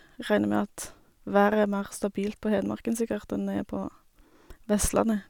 Regner med at været er mer stabilt på Hedmarken, sikkert, enn det er på Vestlandet.